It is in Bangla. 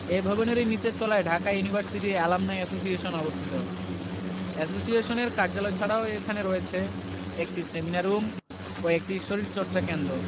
এ ভবনেরই নিচের তলায় ঢাকা ইউনিভার্সিটি এলামনাই এসোসিয়েশন অবস্থিত এসোসিয়েশনের কার্যালয় ছাড়াও এখানে রয়েছে একটি সেমিনার রুম ও একটি শরীরচর্চা কেন্দ্র